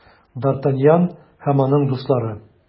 Д’Артаньян һәм аның дуслары.